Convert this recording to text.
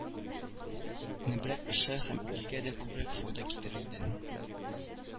Небрәк эшләр һәм илгә дә күбрәк файда китерер иде